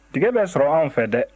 tiga bɛ sɔrɔ an fɛ dɛ